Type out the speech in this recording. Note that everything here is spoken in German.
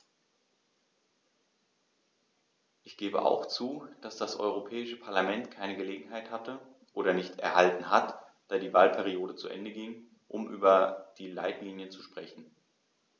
Ich gebe auch zu, dass das Europäische Parlament keine Gelegenheit hatte - oder nicht erhalten hat, da die Wahlperiode zu Ende ging -, um über die Leitlinien zu sprechen.